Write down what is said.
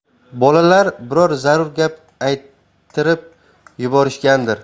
bolalar biror zarur gap ayttirib yuborishgandir